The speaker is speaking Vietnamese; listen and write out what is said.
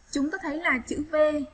chúng ta thấy là chữ v